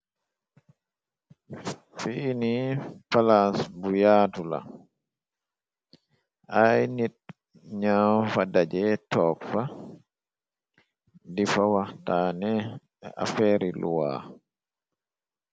Fiini palaas bu yaatu la, ay nit ña fa daje toopfa, di fa wataane afeeri luwaa.